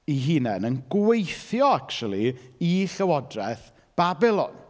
eu hunain yn gweithio acshyli, i llywodraeth Babilon.